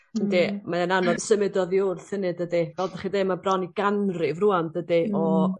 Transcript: Yndi mae o'n anodd symud oddi wrth hynny dydi? Fel bo' chi dddeu ma' bron i ganrif rŵan dydi o